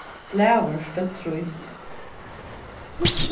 blæur stødd trý